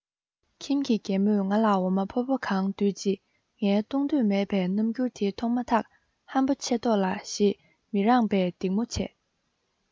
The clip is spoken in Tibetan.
ཁྱིམ གྱི རྒན མོས ང ལ འོ མ ཕོར པ གང ལྡུད རྗེས ངའི འཐུང འདོད མེད པའི རྣམ འགྱུར དེ མཐོང མ ཐག ཧམ པ ཆེ མདོག ལ ཞེས མི རངས པའི སྡིགས མོ བྱས